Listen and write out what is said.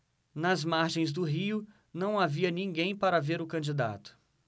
nas margens do rio não havia ninguém para ver o candidato